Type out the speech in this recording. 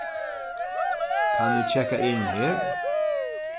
kann eg kekka inn her